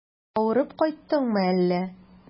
Авырып кайттыңмы әллә?